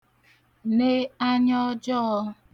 ne anya ọjọọ̄